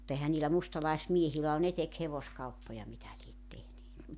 mutta eihän niillä mustalaismiehillä ole ne teki hevoskauppoja mitä lie tehneet